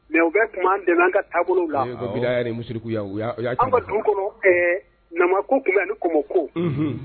Mais u bɛ tun b'an dɛmɛ an ka taabolo la. Ko bidaya ni musirikuya o y'a . An ka dugu kɔnɔ ɛɛ nama ko tun bɛ ani kɔmɔ ko. Unhun.